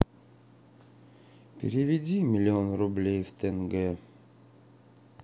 переведи миллион рублей в тенге